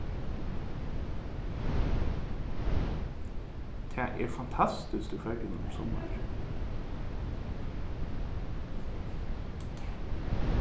tað er fantastiskt í føroyum um summarið